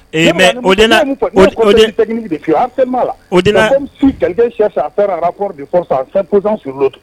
Ee mɛ od fi an fɛn la od arasan